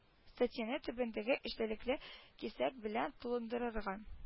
Статьяны түбәндәге эчтәлекле кисәк белән тулындырырга